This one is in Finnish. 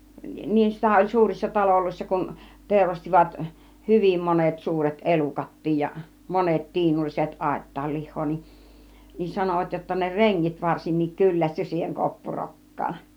niissä oli suurissa taloissa kun teurastivat hyvin monet suuret elukatkin ja monet tiinulliset aittaan lihaa niin niin sanoivat jotta ne rengit varsinkin kyllästyi siihen koppurokkaan